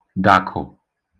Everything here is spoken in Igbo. dàkụ̀